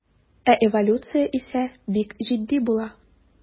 Ә эволюция исә бик җитди була.